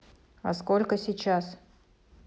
а сколько сейчас